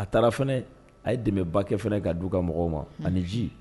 A taara fana, a ye dɛmɛba kɛ fana k'a d'u ka mɔgɔw ma. Hun. Ani ji